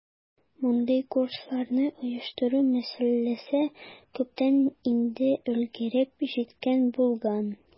Мондый курсларны оештыру мәсьәләсе күптән инде өлгереп җиткән булган.